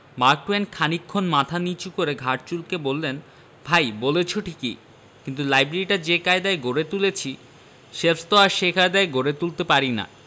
mark Twain খানিকক্ষণ মাথা নিচু করে ঘাড় চুলকে বললেন ভাই বলেছ ঠিকই কিন্তু লাইব্রেরিটা যে কায়দায় গড়ে তুলেছি শেলফ তো আর সে কায়দায় গড়ে তুলতে পারি না